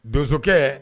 Donsokɛ